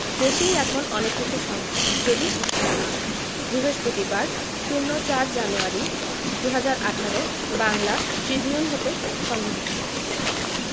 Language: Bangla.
দেশেই এখন অনেক কিছু সম্ভব যদি ইচ্ছা থাকে বৃহস্পতিবার ০৪ জানুয়ারি ২০১৮ বাংলা ট্রিবিউন হতে সংগৃহীত